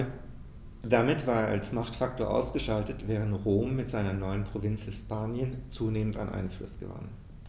Damit war es als Machtfaktor ausgeschaltet, während Rom mit seiner neuen Provinz Hispanien zunehmend an Einfluss gewann.